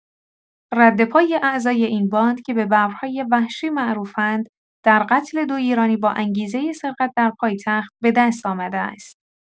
ردپای اعضای این باند که به ببرهای وحشی معروفند، در قتل دو ایرانی باانگیزه سرقت در پایتخت به‌دست‌آمده است.